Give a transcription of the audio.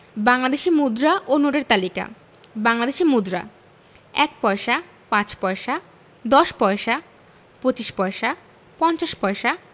বাংলাদেশি মুদ্রা ও নোটের তালিকাঃ বাংলাদেশি মুদ্রাঃ ১ পয়সা ৫ পয়সা ১০ পয়সা ২৫ পয়সা ৫০ পয়সা